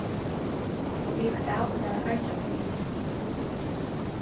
og yvirav var argjasmiðjan